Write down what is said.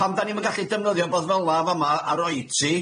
pan 'dan ni'm yn gallu defnyddio rwbath fel'a 'n fa'ma a roid ti